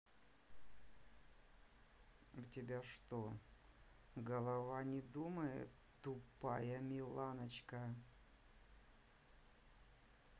у тебя что голова не думает тупая миланочка